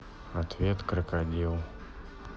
ответ крокодил